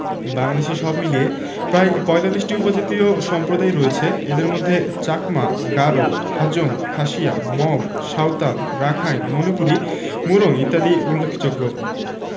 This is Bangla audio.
বাংলাদেশে সব মিলিয়ে প্রায় ৪৫টি উপজাতীয় সম্প্রদায় রয়েছে এদের মধ্যে চাকমা গারো হাজং খাসিয়া মগ সাঁওতাল রাখাইন মণিপুরী মুরং ইত্যাদি উল্লেখযোগ্য